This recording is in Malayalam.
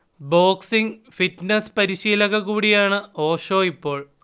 ബോക്സിങ്, ഫിറ്റ്നസ് പരിശീലക കൂടിയാണ് ഓഷോ ഇപ്പോൾ